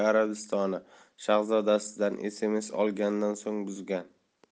arabistoni shahzodasidan sms olganidan so'ng buzgan